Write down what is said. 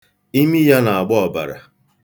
Imi ya na-agba ọbara.